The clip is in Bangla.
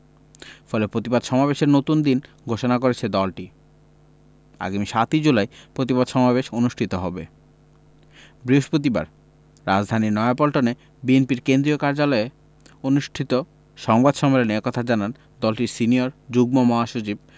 ফলে পতিবাদ সমাবেশের নতুন দিন ঘোষণা করেছে দলটি আগামী ৭ জুলাই প্রতিবাদ সমাবেশ অনুষ্ঠিত হবে বৃহস্পতিবার রাজধানীর নয়াপল্টনে বিএনপির কেন্দ্রীয় কার্যালয়ে অনুষ্ঠিত সংবাদ সম্মেলন এ কথা জানান দলটির সিনিয়র যুগ্ম মহাসচিব